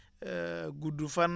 gudd fan